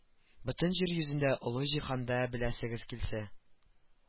Бөтен җир йөзендә олы җиһанда беләсегез килсә